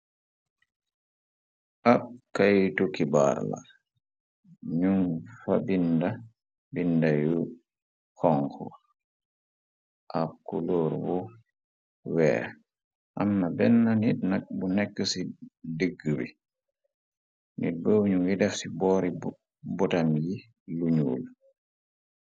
Ab kaytu kebaar la nu fa binde binda yu xonko ab kuloor bu weex amna bena neet nak bu neke ci degebe neet bobu ñu ngi def ci boori botam bi lu ñuul.